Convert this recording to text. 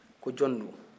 ko jɔn don